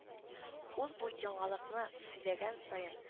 Ул бу яңалыкны сөйләгән саен